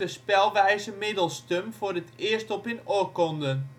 spelwijze ' Middelstum ' voor het eerst op in oorkonden